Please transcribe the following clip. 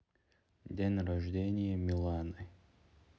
день рождения миланы